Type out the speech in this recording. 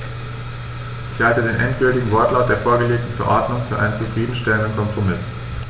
Ich halte den endgültigen Wortlaut der vorgelegten Verordnung für einen zufrieden stellenden Kompromiss.